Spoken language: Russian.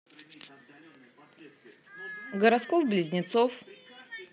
гороскоп близнецов